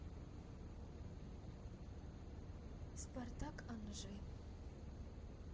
спартак анжи